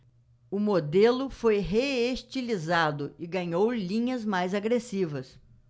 o modelo foi reestilizado e ganhou linhas mais agressivas